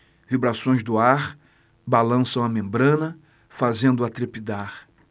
vibrações do ar balançam a membrana fazendo-a trepidar